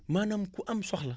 maanaam ku am soxla